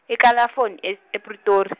eKalafoni e- ePretori-.